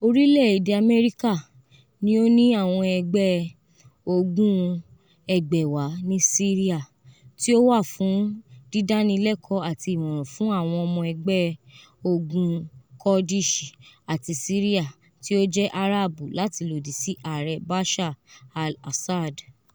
Orilẹ ede Amẹrika ni o ni awọn ẹgbẹ ogun 2,000 ni Siria, ti o wa fun didanilẹkọ ati imọran fun awọn ọmọ ẹgbẹ ogun Kurdish ati Siria ti o jẹ Arabu lati lodi si Aare Bashar al-Assad.